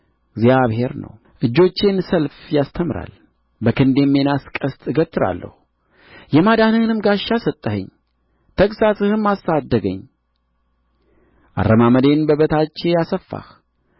እግዚአብሔር ነው እጆቼን ሰልፍ ያስተምራል በክንዴም የናስ ቀስት እገትራለሁ የማዳንህንም ጋሻ ሰጠኸኝ ተግሣጽህም አሳደገኝ አረማመዴን በበታቼ አሰፋህ